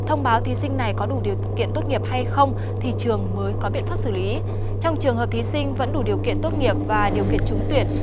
thông báo thí sinh này có đủ điều kiện tốt nghiệp hay không thì trường mới có biện pháp xử lý trong trường hợp thí sinh vẫn đủ điều kiện tốt nghiệp và điều kiện trúng tuyển